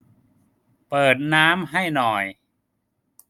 เปิดน้ำให้หน่อย